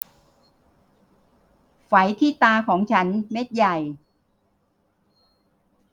ไฝที่ตาของฉันเม็ดใหญ่